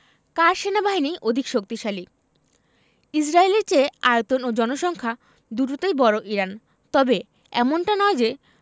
কার সেনাবাহিনী অধিক শক্তিশালী ইসরায়েলের চেয়ে আয়তন ও জনসংখ্যা দুটোতেই বড় ইরান তবে এমনটা নয় যে